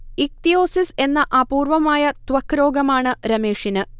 ichthyosis എന്ന അപൂർവമായ ത്വക്ക് രോഗമാണ് രമേഷിന്